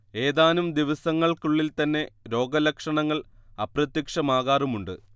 ഏതാനും ദിവസങ്ങൾക്കുള്ളിൽ തന്നെ രോഗലക്ഷണങ്ങൾ അപ്രത്യക്ഷമാകാറുമുണ്ട്